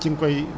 waaw mooy buy